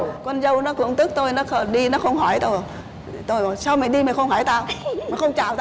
con dâu nó cũng tức tôi nó đi nó không hỏi tôi bảo sao mày đi mày không hỏi tao sao mày không chào